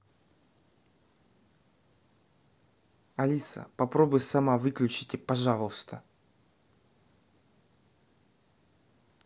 алиса попробуй сама выключите пожалуйста